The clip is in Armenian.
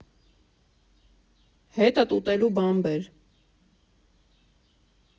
Հետդ ուտելու բան բեր։